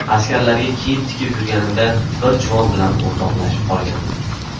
askarlarga kiyim tikib yurganimda bir juvon bilan o'rtoqlashib qolgandik